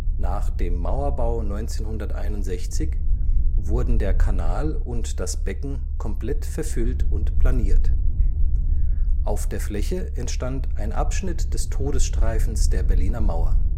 Nach dem Mauerbau 1961 wurden der Kanal und das Becken komplett verfüllt und planiert. Auf der Fläche entstand ein Abschnitt des Todesstreifens der Berliner Mauer